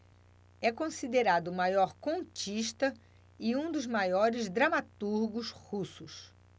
é considerado o maior contista e um dos maiores dramaturgos russos